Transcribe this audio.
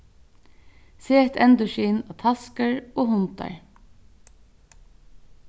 set endurskin á taskur og hundar